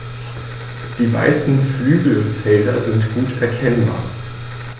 Die weißen Flügelfelder sind gut erkennbar.